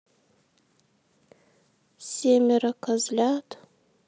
семеро козлят